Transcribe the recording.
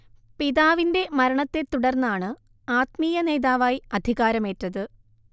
പിതാവിന്റെ മരണത്തെ തുടർന്നാണ് ആത്മീയനേതാവായി അധികാരമേറ്റത്